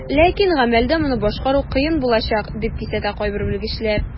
Ләкин гамәлдә моны башкару кыен булачак, дип кисәтә кайбер белгечләр.